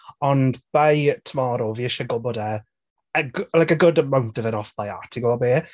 ond, by tomorrow, fi isie gwybod e a g- like a good amount of it off by heart, ti'n gwybod be?